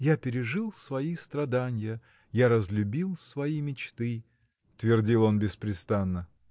Я пережил свои страданья, Я разлюбил свои мечты. – твердил он беспрестанно.